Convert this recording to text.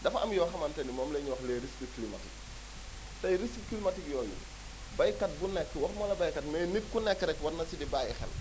dafa am yoo xamante ni moom la ñuy wax les riques climatiques tey risque climatique yooyu baykat bu nekk waxumala baykat mais nit ku nekk rek war na si di bàyyi xel